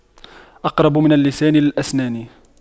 أقرب من اللسان للأسنان